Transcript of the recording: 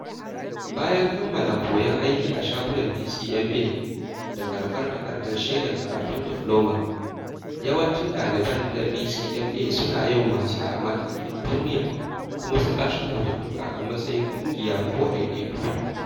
Bayan kammala koyan aiki a shagunan DCMA da karɓar takardar shaidar karatun difloma, yawancin ɗaliban na DCMA su na yin wasa a mataki na duniya kuma su lashe kyaututtuka a matsayin ƙungiya ko ɗaiɗaiku.